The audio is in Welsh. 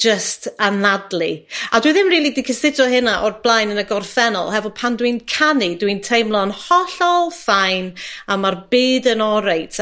jyst anadlu, a dwi ddim rili 'di cysudro hynna o'r blaen yn y gorffennol hefo pan dwi'n canu, dwi'n teimlo'n hollol ffein a ma'r byd yn oreit.